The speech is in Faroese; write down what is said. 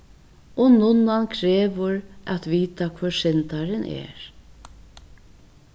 og nunnan krevur at vita hvør syndarin er